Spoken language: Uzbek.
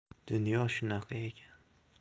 dunyo shunaqa ekan